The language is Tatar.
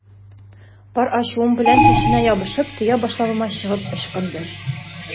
Бар ачуым белән чәченә ябышып, төя башлавыма чыгып ычкынды.